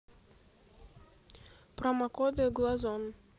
промокоды глазон